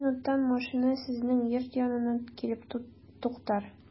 Биш минуттан машина сезнең йорт янына килеп туктар.